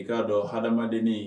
I k'a dɔn ha adamadamadennin